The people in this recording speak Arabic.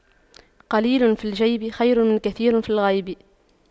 قليل في الجيب خير من كثير في الغيب